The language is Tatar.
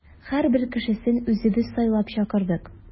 Һәрбер кешесен үзебез сайлап чакырдык.